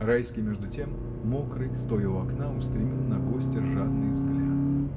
Райский между тем, мокрый, стоя у окна, устремил на гостя жадный взгляд.